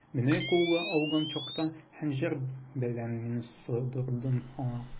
Мине кулга алган чакта, хәнҗәр белән мин сыдырдым аңа.